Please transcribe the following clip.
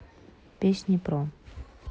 песни про